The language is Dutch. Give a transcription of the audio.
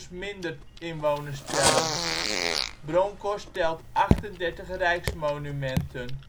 minder inwoners tellen. Bronkhorst telt 38 rijksmonumenten